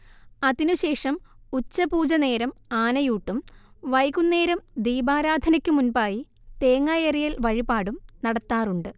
അതിനുശേഷം ഉച്ചപൂജനേരം ആനയൂട്ടും വൈകുന്നേരം ദീപാരാധനക്കുമുൻപായി തേങ്ങായെറിയല്‍ വഴിപാടും നടത്താറുണ്ട്